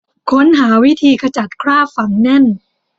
ค้นหาวิธีขจัดคราบฝังแน่น